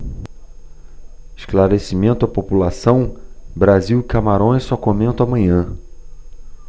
esclarecimento à população brasil e camarões só comento amanhã